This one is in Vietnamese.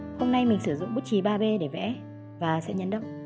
hôm nay mình sử dụng bút chì b để vẽ và sẽ nhấn đậm bằng bút chì b nhé